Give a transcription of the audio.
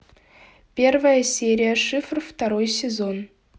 первая серия шифр второй сезон